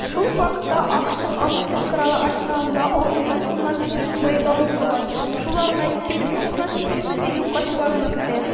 Шул ук вакытта АКШның атом төш коралы арсеналында 6,8 мең боеголовка бар, шуларны 2,8 меңе юкка чыгаруны көтә.